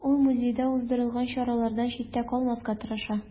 Ул музейда уздырылган чаралардан читтә калмаска тырыша.